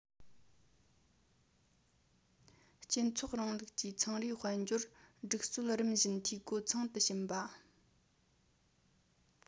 སྤྱི ཚོགས རིང ལུགས ཀྱི ཚོང རའི དཔལ འབྱོར སྒྲིག སྲོལ རིམ བཞིན འཐུས སྒོ ཚང དུ ཕྱིན པ